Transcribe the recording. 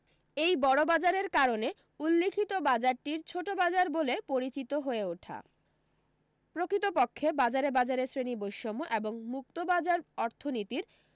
এই্ বড়ো বাজারের কারণে উল্লিখিত বাজারটির ছোট বাজার বলে পরিচিত হয়ে ওঠা প্রকৃতপক্ষে বাজারে বাজারে শ্রেণী বৈষম্য এবং মুক্ত বাজার অর্থনীতির